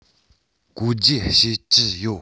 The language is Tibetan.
གོ བརྗེ བྱེད ཀྱི ཡོད